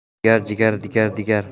jigar jigar digar digar